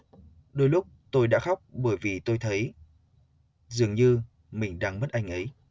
đôi lúc tôi đã khóc bởi vì tôi thấy dường như mình đang mất anh ấy